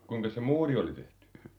kuinkas se muuri oli tehty